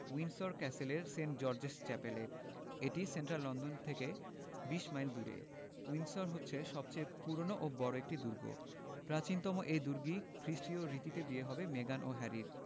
Windsor ক্যাসেলের saint George's চ্যাপেলে এটি সেন্ট্রাল লন্ডন থেকে ২০ মাইল দূরে উইন্ডসর হচ্ছে সবচেয়ে পুরোনো ও বড় একটি দুর্গ প্রাচীনতম এই দুর্গেই খ্রিষ্টীয় রীতিতে বিয়ে হবে মেগান ও হ্যারির